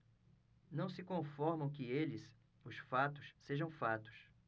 não se conformam que eles os fatos sejam fatos